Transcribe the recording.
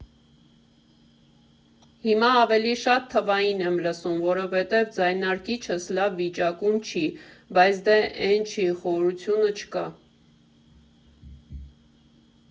Հիմա ավելի շատ թվային եմ լսում, որովհետև ձայնարկիչս լավ վիճակում չի, բայց դե էն չի, խորությունը չկա։